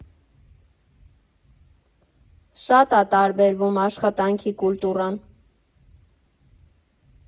Շատ ա՞ տարբերվում աշխատանքի կուլտուրան։